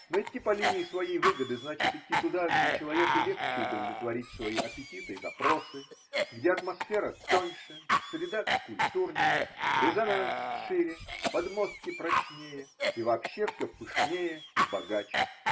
но идти по линии своей выгоды значит идти туда, где человеку легче удовлетворить свои аппетиты и запросы, где атмосфера тоньше, среда культурнее, резонанс шире, подмостки прочнее и вообще все пышнее и богаче.